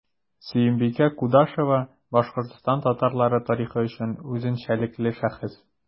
Сөембикә Кудашева – Башкортстан татарлары тарихы өчен үзенчәлекле шәхес.